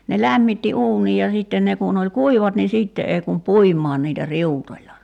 ne lämmitti uunin ja sitten ne kun oli kuivat niin sitten ei kun puimaan niitä riutoilla